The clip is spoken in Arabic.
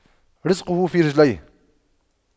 رِزْقُه في رجليه